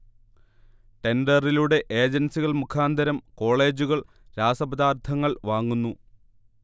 ടെൻഡറിലൂടെ ഏജൻസികൾ മുഖാന്തരം കോളേജുകൾ രാസപദാർത്ഥങ്ങൾ വാങ്ങുന്നു